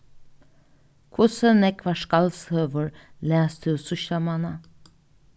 hvussu nógvar skaldsøgur las tú síðsta mánað